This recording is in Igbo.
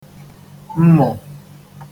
mmụ̀